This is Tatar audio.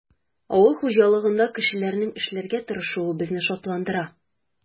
Авыл хуҗалыгында кешеләрнең эшләргә тырышуы безне шатландыра.